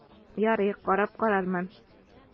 Ярый, карап карармын...